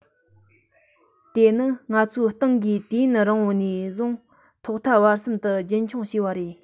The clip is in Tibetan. དེ ནི ང ཚོའི ཏང གིས དུས ཡུན རིང པོ ནས བཟུང ཐོག མཐའ བར གསུམ དུ མཐའ འཁྱོངས བྱས པ ཞིག རེད